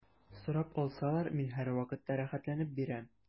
Сорап алсалар, мин һәрвакытта рәхәтләнеп бирәм.